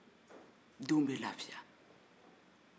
denw be lafiya